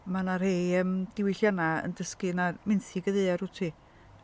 mae 'na rhai yym diwylliannau yn dysgu na menthyg y ddaear wyt ti.